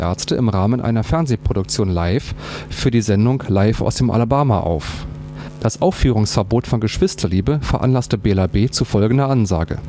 Ärzte im Rahmen einer Fernsehproduktion live für die Sendung „ Live aus dem Alabama “auf. Das Aufführungsverbot von „ Geschwisterliebe “veranlasste Bela B. zu folgender Ansage